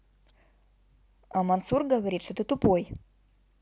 а мансур говорит что ты тупой